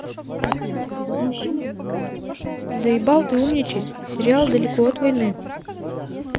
заебал ты умничать сериал далеко от войны